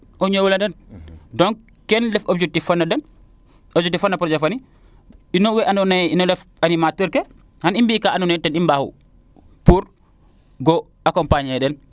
o ñoowole den donc keene ref objectif fe den objectif fe projet ne ino we ando naye ino ndef animateur ke xan i mbi ka ando naye ten i mbaagu pour accompagner a den